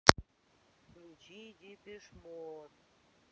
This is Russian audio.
включи депиш мод